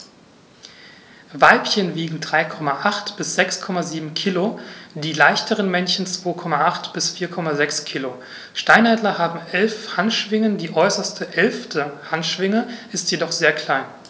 Weibchen wiegen 3,8 bis 6,7 kg, die leichteren Männchen 2,8 bis 4,6 kg. Steinadler haben 11 Handschwingen, die äußerste (11.) Handschwinge ist jedoch sehr klein.